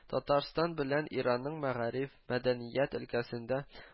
Татарстан белән Иранның мәгариф, мәдәният өлкәсендә